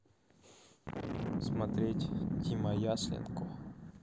смотреть дима ясленко